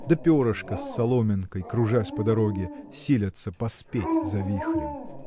да перышко с соломинкой, кружась по дороге, силятся поспеть за вихрем.